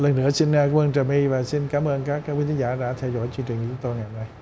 lần nữa xin cảm ơn trà my và xin cảm ơn các khán giả đã theo dõi